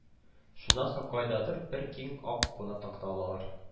Шуннан соң кайдандыр бер киң ак куна такта алалар